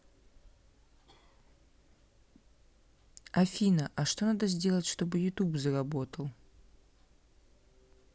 афина а что надо сделать чтобы youtube заработал